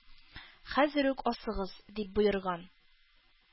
— хәзер үк асыгыз! — дип боерган.